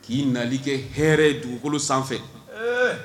K'i nali kɛ hɛrɛ dugukolo sanfɛ